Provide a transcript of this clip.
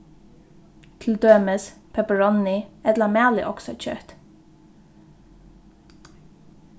til dømis pepperoni ella malið oksakjøt